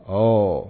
H